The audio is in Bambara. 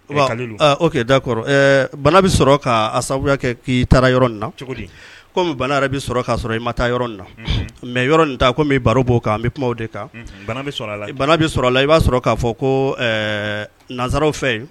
O k da kɔrɔ bana bɛ sɔrɔ ka sabu kɛ k'i taara yɔrɔ nin na cogo kɔmi bana yɛrɛ bɛ sɔrɔ k' sɔrɔ i ma taa yɔrɔ na mɛ yɔrɔ nin ta ko baro b'o kan bɛ kuma de kan bɛ sɔrɔ la i b'a sɔrɔ k'a fɔ ko nanzsaraw fɛ yen